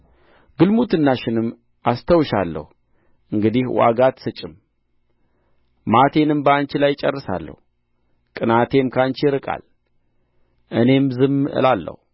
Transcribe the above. ግልሙትናሽንም አስተውሻለሁ እንግዲህስ ዋጋ አትሰጭም መዓቴንም በአንቺ ላይ እጨርሳለሁ ቅንዓቴም ከአንቺ ይርቃል እኔም ዝም እላለሁ